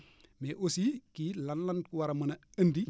mais aussi kii lan lan war a mën a andi